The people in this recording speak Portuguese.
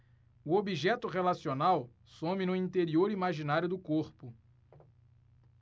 o objeto relacional some no interior imaginário do corpo